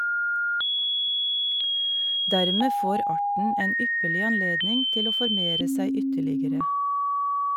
Dermed får arten en ypperlig anledning til å formere seg ytterligere.